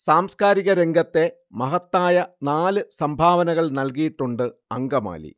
സാംസ്കാരിക രംഗത്തെ മഹത്തായ നാല് സംഭാവനകൾ നൽകിയിട്ടുണ്ട് അങ്കമാലി